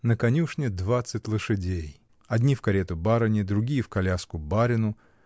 На конюшне двадцать лошадей: одни в карету барыни, другие в коляску барину